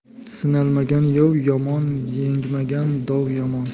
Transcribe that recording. sinalmagan yov yomon elanmagan dov yomon